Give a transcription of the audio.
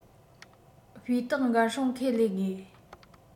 སྤུས དག འགན སྲུང ཁས ལེན དགོས